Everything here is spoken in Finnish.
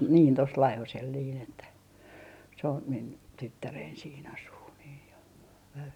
niin tuossa niin tuossa Laihosella niin että se on minun tyttäreni siinä asuu niin ja vävy